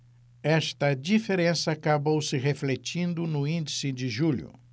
esta diferença acabou se refletindo no índice de julho